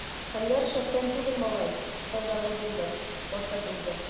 Хәлләр шәптән түгел, малай, казалы булдым, атым үлде.